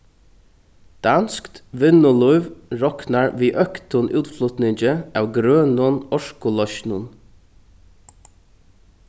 danskt vinnulív roknar við øktum útflutningi av grønum orkuloysnum